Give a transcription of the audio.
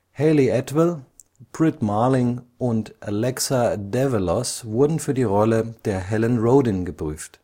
Hayley Atwell, Brit Marling und Alexa Davalos wurden für die Rolle der Helen Rodin geprüft